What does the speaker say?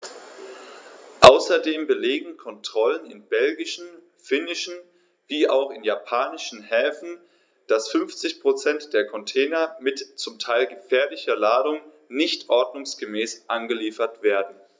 Außerdem belegen Kontrollen in belgischen, finnischen wie auch in japanischen Häfen, dass 50 % der Container mit zum Teil gefährlicher Ladung nicht ordnungsgemäß angeliefert werden.